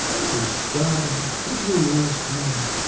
а это уж старое, прижилось в нем.